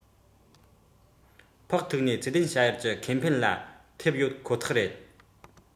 ལྷན གླ ཚད ཇེ ཉུང དུ གཏོང ཐག ཆོད ཡིན